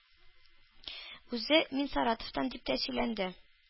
Үзе: “Мин Саратовтан”, – дип тә сөйләнде.